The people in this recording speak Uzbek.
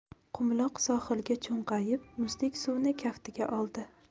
qumloq sohilga cho'nqayib muzdek suvni kaftiga oldi